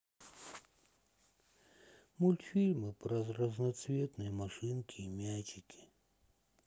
мультфильм про разноцветные машинки и мячики